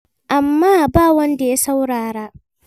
Amma ba wanda ya saurara.